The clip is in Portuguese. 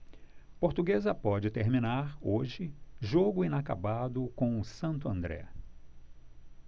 portuguesa pode terminar hoje jogo inacabado com o santo andré